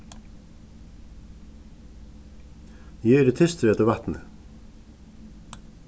eg eri tystur eftir vatni